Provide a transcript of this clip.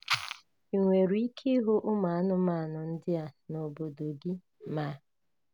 "I nwere ike ịhụ ụmụanụmanụ ndị a n'obodo gị?", ma